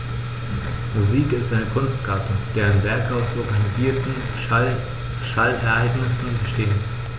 Musik ist eine Kunstgattung, deren Werke aus organisierten Schallereignissen bestehen.